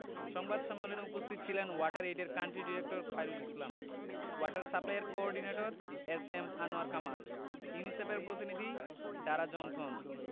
সংবাদ সম্মেলনে উপস্থিত ছিলেন ওয়াটার এইডের country director Khairul Islam water সাপ্লাইর coordinator S M Anwar Kamal ইউনিসেফের প্রতিনিধি ডারা জনথন